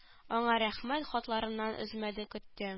Аңа рәхмәт хатларыннан өзмәде көтте